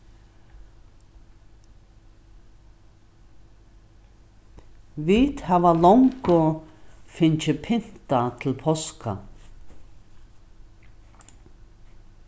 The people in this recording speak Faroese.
vit hava longu fingið pyntað til páska